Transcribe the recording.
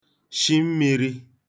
shi mmīrī